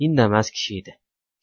indamas kishiydi